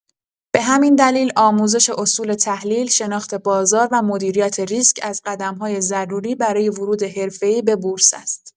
به همین دلیل آموزش اصول تحلیل، شناخت بازار و مدیریت ریسک از قدم‌های ضروری برای ورود حرفه‌ای به بورس است.